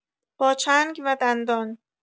با چنگ و دندان